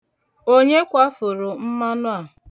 Onye kwafuru mmanụ a.